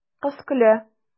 Кыз көлә.